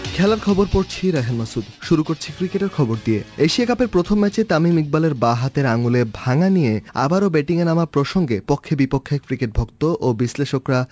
খেলা খবর পড়ছি মাসুদ শুরু করছি ক্রিকেটের খবর দিয়ে এশিয়া কাপের প্রথম ম্যাচে তামিম ইকবালের বা হাতের আঙুলের ভাঙ্গানিয়ে আবারো ব্যাটিংয়ে নামার প্রসঙ্গে পক্ষে-বিপক্ষে ক্রিকেট ভক্ত ও বিশ্লেষকরা